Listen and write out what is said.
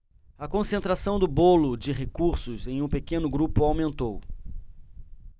a concentração do bolo de recursos em um pequeno grupo aumentou